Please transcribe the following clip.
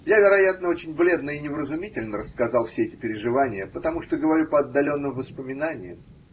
Я. вероятно, очень бледно и невразумительно рассказал все эти переживания, потому что говорю по отдаленным воспоминаниям.